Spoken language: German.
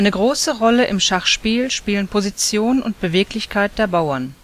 große Rolle im Schachspiel spielen Position und Beweglichkeit der Bauern